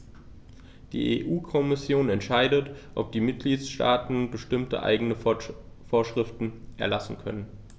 Die EU-Kommission entscheidet, ob die Mitgliedstaaten bestimmte eigene Vorschriften erlassen können.